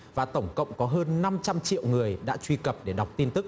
và tổng cộng có hơn năm trăm triệu người đã truy cập để đọc tin tức